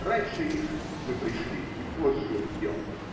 Раньше их мы пришли и позже уйдем.